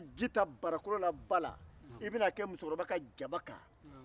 ji ta barakolon na ba la i bɛn'a kɛ musokɔrɔba ka jaba kan